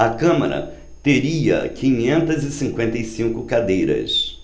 a câmara teria quinhentas e cinquenta e cinco cadeiras